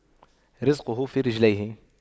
رِزْقُه في رجليه